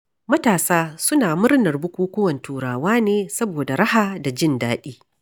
Matasa suna murnar bukukuwan Turawa ne saboda raha da jin daɗi.